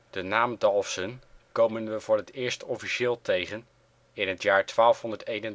De naam Dalfsen komen we voor het eerst officieel tegen in het jaar 1231